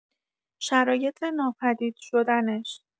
شرایط ناپدید شدنش